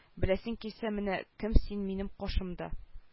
Беләсең килсә менә кем син минем кашымда